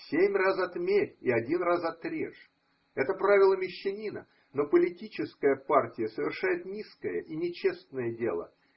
Семь раз отмерь и один раз отрежь – это правило мещанина, но политическая партия совершает низкое и нечестное дело.